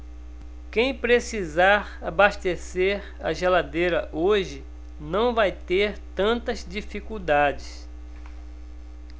quem precisar abastecer a geladeira hoje não vai ter tantas dificuldades